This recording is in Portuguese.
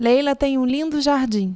leila tem um lindo jardim